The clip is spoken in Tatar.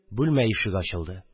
Бүлмә ишеге ачылды